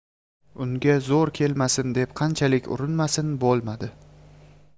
unga zo'r kelmasin deb qanchalik urinmasin bo'lmadi